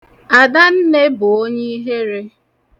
Adanne bụ onye ihere.